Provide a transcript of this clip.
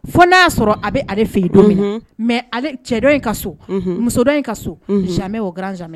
Fo n'a y'a sɔrɔ a bɛ ale fɛ don mɛ cɛ dɔ in ka so musodɔn in ka somɛ okuranaamɛ